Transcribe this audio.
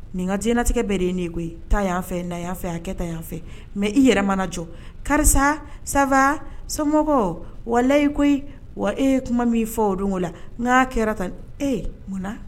Nin ka jiɲɛlatigɛ bɛɛ de ye ne koyi taa yan fɛ ye na yan fɛ a kɛ tan yan fɛ mais i yɛrɛ mana jɔ karisa ça va somɔgɔw walayi koyi wa e ye kuma min fɔ o don o la n k'a kɛra tan ee